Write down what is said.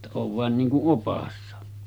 jotta olen vain niin kuin oppaana